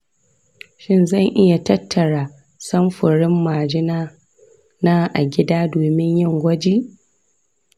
shin zan iya tattara samfurin majina a gida domin yin gwaji?